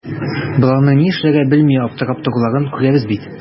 Боларның ни эшләргә белми аптырап торуларын күрәбез бит.